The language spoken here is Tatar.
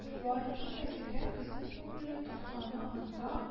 Варыыннан да бигрәк безнең күңелне тартканы анда